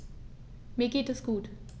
Mir geht es gut.